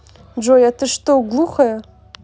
джой а ты что глухая